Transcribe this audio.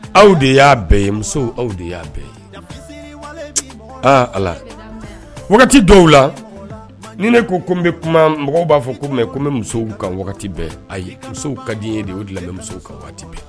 Aw de y'a bɛɛ ye musow aw de y'a bɛɛ ye aa ala wagati dɔw la ni ne ko kɔmi bɛ kuma mɔgɔw b'a fɔ kɔmi kɔmi bɛ musow kan wagati bɛɛ ayi ye musow ka di ye de'o dilan musow ka waati bɛɛ